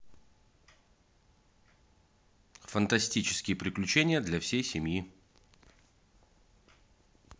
фантастические приключения для всей семьи